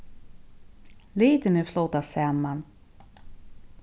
litirnir flóta saman